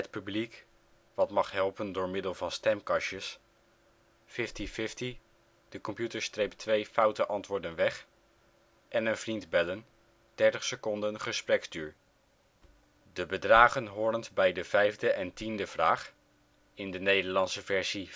publiek (mag helpen door middel van stemkastjes) fifty-fifty (computer streept twee foute antwoorden weg) een vriend bellen (30 seconden gespreksduur) De bedragen horend bij de vijfde en tiende vraag (in de Nederlandse versie